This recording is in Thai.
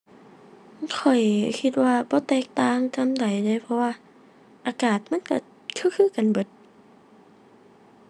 ข้อยคิดว่าบ่แตกต่างจั่งใดเดะ เพราะว่าอากาศมันก็คือคือกันเบิด